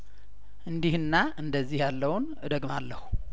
እንዲ ህና እንደዚህ ያለውን እደግ ማለሁ